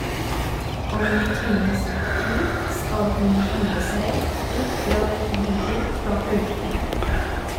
Om en times tid skal hun hive seg ut fra et lite propellfly.